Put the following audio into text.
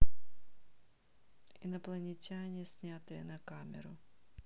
инопланетяне снятые на камеру